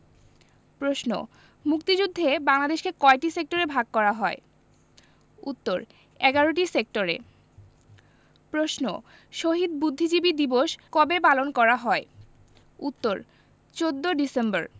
প্রশ্ন মুক্তিযুদ্ধে বাংলাদেশকে কয়টি সেক্টরে ভাগ করা হয় উত্তর ১১টি সেক্টরে প্রশ্ন শহীদ বুদ্ধিজীবী দিবস কবে পালন করা হয় উত্তর ১৪ ডিসেম্বর